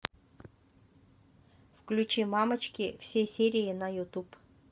включи мамочки все серии на ютуб